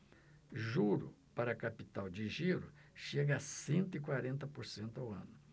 juro para capital de giro chega a cento e quarenta por cento ao ano